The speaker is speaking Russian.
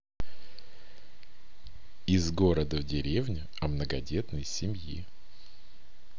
из города в деревню о многодетной семьи